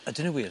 Ydyn nw wir?